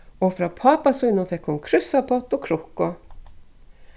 og frá pápa sínum fekk hon krússapott og krukku